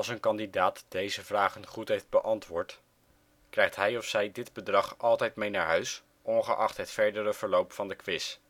een kandidaat deze vragen goed heeft beantwoord, krijgt hij of zij dit bedrag altijd mee naar huis ongeacht het verdere verloop van de quiz